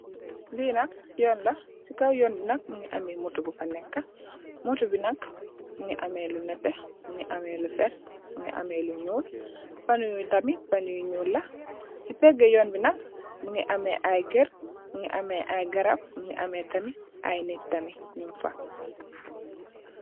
Linak yon la si kaw yon bi nk mungi ameh moto bufa n'eka moto bi nk mungi ameh lu neteh mungi ameh lu werteh am lo nyool ban ngi tamit bang nyi nyool la si pega yon bi nk mungi ameh ay ker mungi ameh ay garab mungi ameh tamit ay nek mun fa.